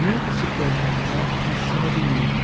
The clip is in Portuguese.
nunca se pode ficar em cima do muro